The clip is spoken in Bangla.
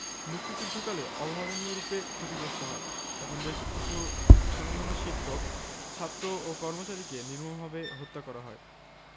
মুক্তিযুদ্ধকালে অভাবনীয়রূপে ক্ষতিগ্রস্ত হয় তখন বেশ কিছু স্বনামধন্য শিক্ষক ছাত্র ও কর্মচারীকে নির্মমভাবে হত্যা করা হয়